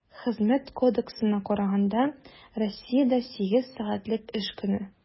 Хезмәт кодексына караганда, Россиядә сигез сәгатьлек эш көне.